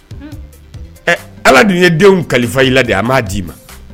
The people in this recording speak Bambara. Ala dun ye denw kalifa i la de a m'a d di'i ma